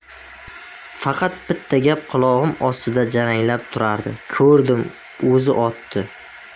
faqat bitta gap qulog'im ostida jaranglab turardi ko'rdim o'zi otdi